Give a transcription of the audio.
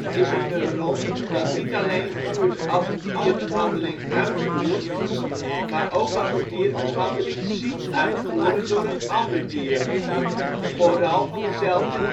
is een neuron dat niet alleen vuurt als een dier een handeling uitvoert, maar ook als het dier een handeling ziet uitvoeren door een ander dier (vooral van dezelfde